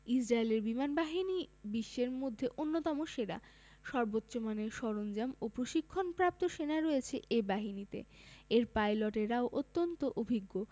ইসরায়েলের বিমানবাহিনী বিশ্বের মধ্যে অন্যতম সেরা সর্বোচ্চ মানের সরঞ্জাম ও প্রশিক্ষণপ্রাপ্ত সেনা রয়েছে এ বাহিনীতে এর পাইলটেরাও অত্যন্ত অভিজ্ঞ